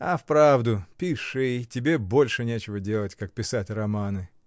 А вправду: пиши, тебе больше нечего делать, как писать романы.